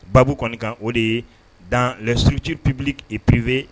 Baabu kɔni kan o de ye dan suruti ppbi pepbie